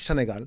Sénégal